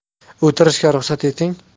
o'tirishga ruxsat eting